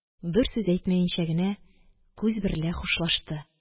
Бер сүз әйтмәенчә генә күз берлә хушлашты.